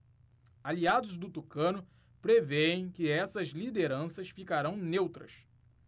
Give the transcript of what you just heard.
aliados do tucano prevêem que essas lideranças ficarão neutras